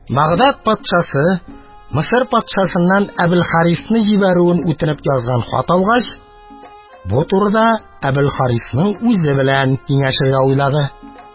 Багдад патшасы, Мисыр патшасыннан Әбелхарисны җибәрүен үтенеп язган хат алгач, бу турыда Әбелхарисның үзе белән киңәшергә уйлады.